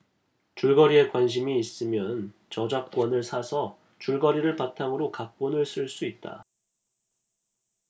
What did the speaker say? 줄거리에 관심이 있으면 저작권을 사서 줄거리를 바탕으로 각본을 쓸 수 있다